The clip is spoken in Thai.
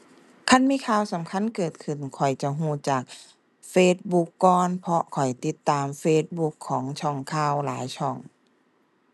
คันมีข่าวสำคัญเกิดขึ้นค่อยจะรู้จาก Facebook ก่อน เพราะข้อยติดตาม Facebook ของช่องข่าวหลายช่อง